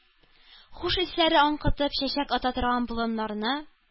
Хуш исләр аңкытып чәчәк ата торган болыннарны,